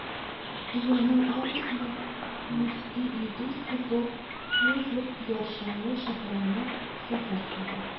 Елның августында мөфти илдус хәзрәт фәйзов яр чаллы шәһәренә сәфәр кылды